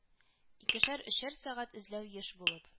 Икешәр-өчәр сәгать эзләү еш булып